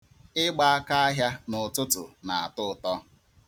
Ịgba akaahịa n'ụtụtụ na-atọ ụtọ.